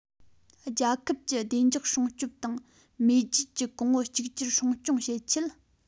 རྒྱལ ཁབ ཀྱི བདེ འཇགས སྲུང སྐྱོབ དང མེས རྒྱལ གྱི གོང བུ གཅིག གྱུར སྲུང སྐྱོང བྱེད ཆེད